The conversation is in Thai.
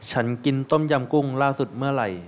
ฉันกินต้มยำกุ้งล่าสุดเมื่อไหร่